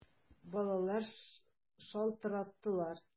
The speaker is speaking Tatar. Балалар шалтыраттылар!